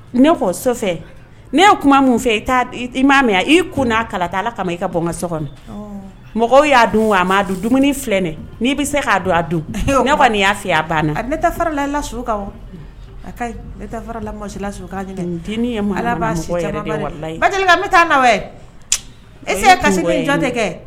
Ne kɔ ne ye kuma min fɛ i taa m'a min i kun'a kalata ala kama i ka bɔ so kɔnɔ mɔgɔ y'a don a ma don dumuni filɛ dɛ n'i bɛ se k'a don a don kɔni y'a fɛ a banna ne faralala su ne faralasila ma ala' si taa la e kasi jɔn tɛ kɛ